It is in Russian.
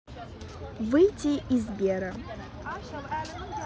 выйти из сбера